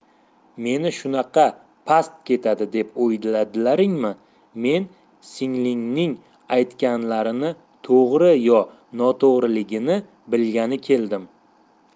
meni shunaqa past ketadi deb o'yladilaringmi men singlingning aytganlarini to'g'ri yo noto'g'riligini bilgani keldim